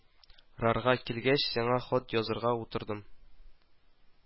Рарга килгәч, сиңа хат язарга утырдым